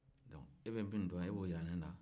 e bɛ minnu dɔn e b'o jira ne la